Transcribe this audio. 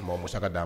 Bosa ka d'